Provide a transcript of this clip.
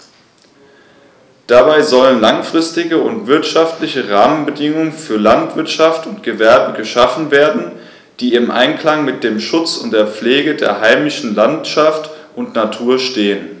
Dabei sollen langfristige und wirtschaftliche Rahmenbedingungen für Landwirtschaft und Gewerbe geschaffen werden, die im Einklang mit dem Schutz und der Pflege der heimischen Landschaft und Natur stehen.